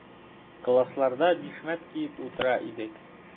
Классларда бишмәт киеп утыра идек.